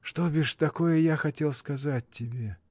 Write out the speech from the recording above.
— Что бишь такое я хотел сказать тебе?.